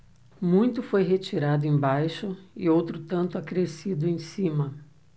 muito foi retirado embaixo e outro tanto acrescido em cima